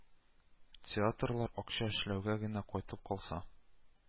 Театрлар акча эшләүгә генә кайтып калса